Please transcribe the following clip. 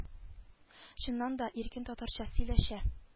Чыннан да иркен татарча сөйләшә